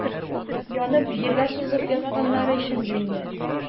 Янып, җиргә сузылып ятканнары өчендер инде.